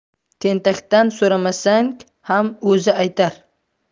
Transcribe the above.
tentakdan so'ramasang ham o'zi aytar